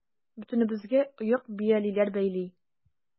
Бөтенебезгә оек-биялиләр бәйли.